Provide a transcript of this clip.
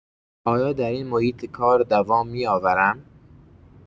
آیا در این محیط کار دوام می‌آورم؟